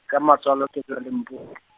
ka matswalo ke tšwa Limpo-.